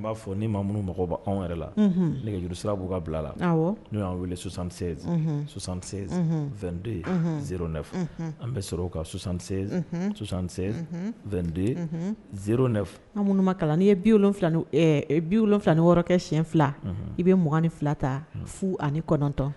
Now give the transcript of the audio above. N b'a fɔ ni'i ma minnu mɔgɔw bɛ anw yɛrɛ la ne juruuru sirabu ka bila la n'u y'aw weele susansenzisansenz2 zon an bɛ sɔrɔ ka susansenzsansen2deni an minnuka n'i ye bil wolonwula ni ɛɛ bil wolonwula niɔrɔkɛ siyɛn fila i bɛ m ni fila ta fu ani kɔnɔntɔn